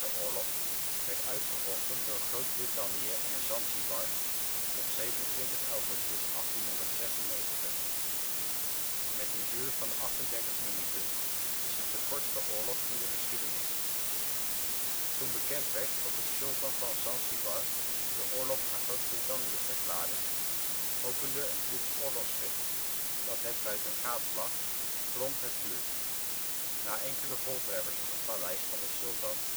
oorlog werd uitgevochten door Groot-Brittannië en Zanzibar op 27 augustus 1896. Met een duur van 38 minuten is het de kortste oorlog in de geschiedenis. Toen bekend werd dat de sultan van Zanzibar de oorlog aan Groot-Brittannië verklaarde, opende een Brits oorlogsschip dat net buitengaats lag, prompt het vuur. Na enkele voltreffers op het paleis van de sultan